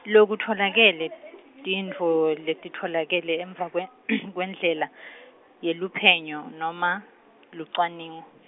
Lokutfolakele, tintfo letitfolakele emva kwe- kwendlela , yeluphenyo noma, lucwaningo.